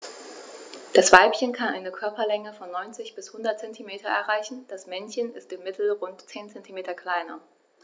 Das Weibchen kann eine Körperlänge von 90-100 cm erreichen; das Männchen ist im Mittel rund 10 cm kleiner.